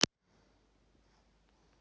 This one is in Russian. ты тупой